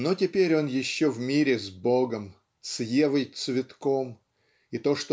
Но теперь он еще в мире с Богом с Евой-цветком и то